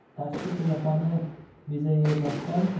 tashqi qiyofani bezayvermasdan